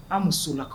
An muso sɔnna